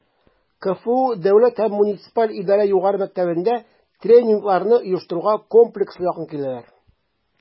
КФУ Дәүләт һәм муниципаль идарә югары мәктәбендә тренингларны оештыруга комплекслы якын киләләр: